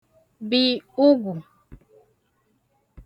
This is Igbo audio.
bì ugwù